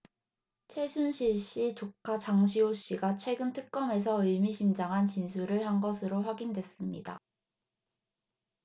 최순실 씨 조카 장시호 씨가 최근 특검에서 의미심장한 진술을 한 것으로 확인됐습니다